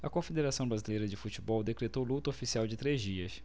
a confederação brasileira de futebol decretou luto oficial de três dias